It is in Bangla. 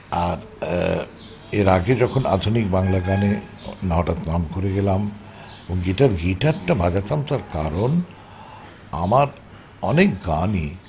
আর এর আগে যখন আধুনিক বাংলা গানে হঠাৎ নাম করে গেলাম এবং গিটার গিটারটা বাজাতাম তার কারণ আমার অনেক গানই